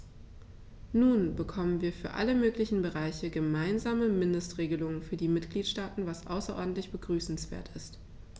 Nun bekommen wir für alle möglichen Bereiche gemeinsame Mindestregelungen für die Mitgliedstaaten, was außerordentlich begrüßenswert ist.